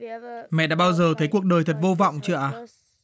mẹ đã bao giờ thấy cuộc đời thật vô vọng chưa ạ